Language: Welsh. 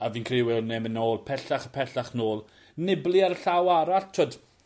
A fi'n cre'u welwn ni e yn myn' nôl pellach a pellach nôl. Nibali ar y llaw arall t'wod